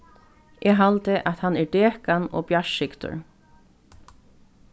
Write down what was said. eg haldi at hann er dekan ov bjartskygdur